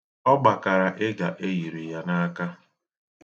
Ọ gbakara ịga e yiri ya n'aka.